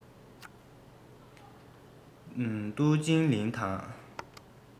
ཀུའོ ཧྲེང ཁུན